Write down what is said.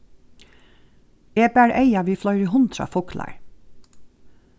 eg bar eyga við fleiri hundrað fuglar